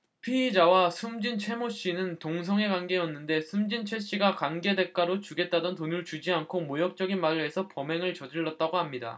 피의자와 숨진 최 모씨는 동성애 관계였는데 숨진 최씨가 관계 대가로 주겠다던 돈을 주지 않고 모욕적인 말을 해서 범행을 저질렀다고 합니다